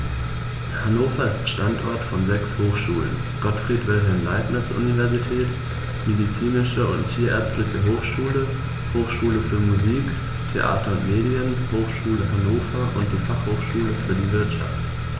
Hannover ist Standort von sechs Hochschulen: Gottfried Wilhelm Leibniz Universität, Medizinische und Tierärztliche Hochschule, Hochschule für Musik, Theater und Medien, Hochschule Hannover und die Fachhochschule für die Wirtschaft.